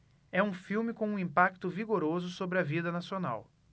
é um filme com um impacto vigoroso sobre a vida nacional